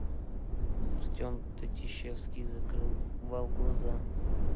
артем татищевский закрывал глаза